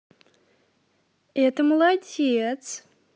это молодец